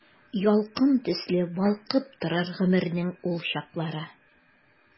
Ялкын төсле балкып торыр гомернең ул чаклары.